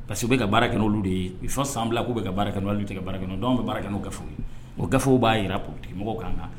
Pa que bɛ ka baara kɛ' olu de ye san k'u bɛ ka baara kɛ oluolu kɛ baara kɛ dɔw bɛ baara kɛ n' kɛ o gaw b'a jira potigi mɔgɔw kanan kan